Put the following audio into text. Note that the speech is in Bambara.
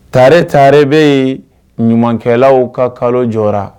Ta tare bɛ yen ɲumankɛlaw ka kalo jɔ